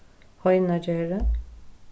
heinagerði